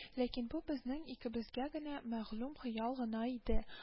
Ләкин бу безнең икебезгә генә мәгълүм хыял гына иде